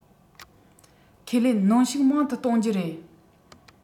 ཁས ལེན གནོན ཤུགས མང དུ གཏོང རྒྱུ རེད